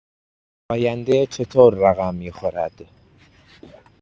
آینده چطور رقم می‌خورد؟